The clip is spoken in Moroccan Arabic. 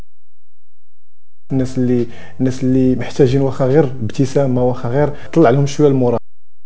نزلي نزلي محتاجين وغير ابتسامه وغير طلع لهم شويه